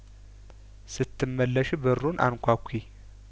ስትመለሺ በሩን አንኳኲ